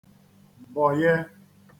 bọ̀ye